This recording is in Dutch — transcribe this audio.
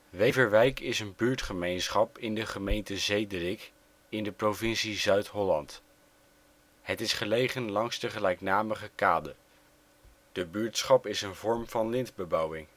Weverwijk is een buurtgemeenschap in de gemeente Zederik in de provincie Zuid-Holland. Het is gelegen langs de gelijknamige kade. De buurtschap is een vorm van lintbebouwing